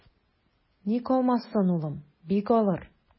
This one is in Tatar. Ник алмасын, улым, бик алыр.